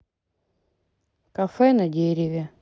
кафе на дереве